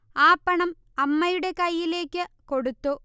ആ പണം അമ്മയുടെ കയ്യിലേക്ക് കൊടുത്തു